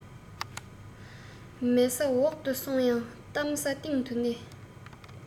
མི ས འོག དུ སོང ཡང གཏམ ས སྟེང དུ གནས